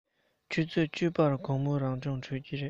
ཆུ ཚོད བཅུ པར དགོང མོའི རང སྦྱོང གྲོལ གྱི རེད